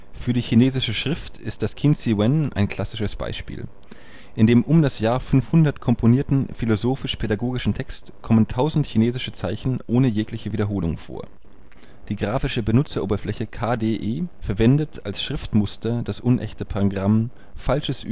Für die chinesische Schrift ist das Qinziwen 千字文 ein klassisches Beispiel. In dem um das Jahr 500 komponierten philosophisch-pädagogischen Text kommen tausend chinesische Zeichen ohne jegliche Wiederholung vor. Die grafische Benutzeroberfläche KDE verwendet als Schriftmuster das unechte Pangramm Falsches